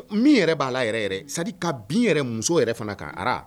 Min yɛrɛ b'a la yɛrɛ yɛrɛ sadi ka bin yɛrɛ muso yɛrɛ fana kan